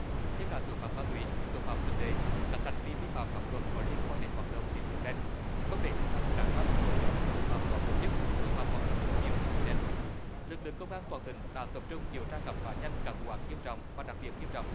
nhất là tội phạm ma túy tội phạm kinh tế các hành vi vi phạm pháp luật có liên quan đến hoạt động tín dụng đen không để hình thành các băng ổ nhóm tội phạm có tổ chức tội phạm hoạt động theo kiểu xã hội đen lực lượng công an toàn tỉnh đã tập trung điều tra khám phá nhanh các vụ án nghiêm trọng và đặc biệt nghiêm trọng